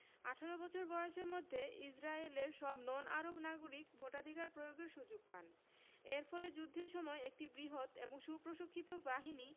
১৮ বছর বয়সের মধ্যে ইসরায়েলের সব নন আরব নাগরিক ভোটাধিকার প্রয়োগের সুযোগ পান এর ফলে যুদ্ধের সময় একটি বৃহৎ এবং সুপ্রশিক্ষিত বাহিনী